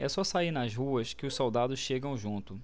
é só sair nas ruas que os soldados chegam junto